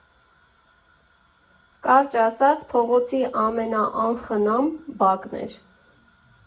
Կարճ ասած՝ փողոցի ամենաանխնամ բակն էր։